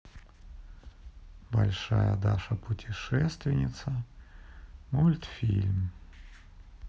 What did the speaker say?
большая даша путешественница мультфильм